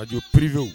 Ka don perebiwu